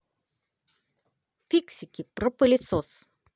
фиксики про пылесос